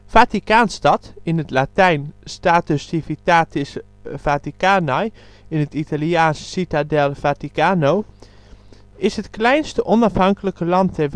Vaticaanstad (Latijn: Status Civitatis Vaticanae, Italiaans: Città del Vaticano) is het kleinste onafhankelijke land